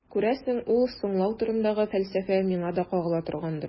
Күрәсең, ул «соңлау» турындагы фәлсәфә миңа да кагыла торгандыр.